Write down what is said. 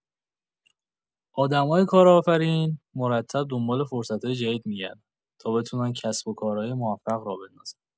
آدمای کارآفرین مرتب دنبال فرصتای جدید می‌گردن تا بتونن کسب و کارای موفق راه بندازن.